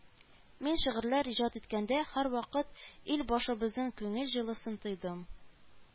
Мин шигырьләр иҗат иткәндә, һәрвакыт Илбашыбызның күңел җылысын тойдым